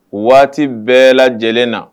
Waati bɛɛ lajɛlen na